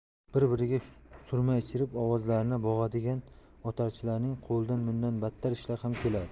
bir biriga surma ichirib ovozlarini bo'g'adigan otarchilarning qo'lidan bundan battar ishlar ham keladi